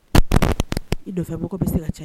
I nɔfɛ bɛ se ka ca